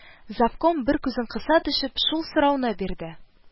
Завком, бер күзен кыса төшеп, шул сорауны бирде